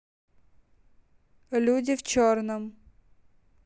люди в черном